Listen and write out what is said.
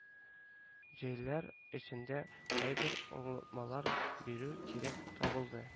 Җәяләр эчендә кайбер аңлатмалар бирү кирәк табылды